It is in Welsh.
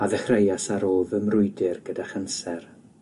a ddechreuas ar ôl fy mrwydr gyda chanser.